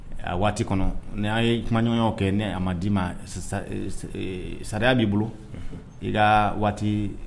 A waati kɔnɔ ni'a ye kumaɲɔgɔnw kɛ ne a ma di'i ma sa b'i bolo i ka waati